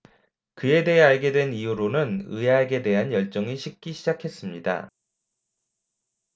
그에 대해 알게 된 이후로는 의학에 대한 열정이 식기 시작했습니다